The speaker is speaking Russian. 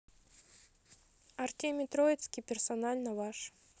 артемий троицкий персонально ваш